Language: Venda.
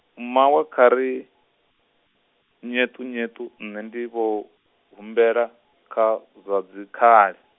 mmawe kha ri, nyeṱunyeṱu nṋe ndi vho, humbela kha, zwa dzikhali.